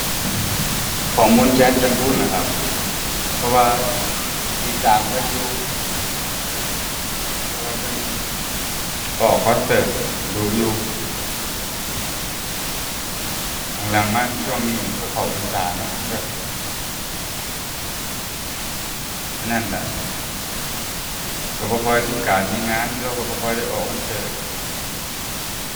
ของ มนต์แคน แก่นคูน ล่ะครับ เพราะว่าติดตามเพิ่นอยู่ เพราะว่าเพิ่นออกคอนเสิร์ตดู๋อยู่ หลังหลังมาช่วงนี้มันก็เข้าพรรษาเนาะ มันก็อันนั้นล่ะ ก็บ่ค่อยมีการมีงาน เลาก็บ่ค่อยได้ออกคอนเสิร์ต